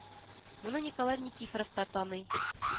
Моны николай никифоров та таный